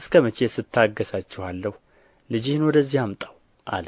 እስከ መቼስ እታገሣችኋለሁ ልጅህን ወደዚህ አምጣው አለ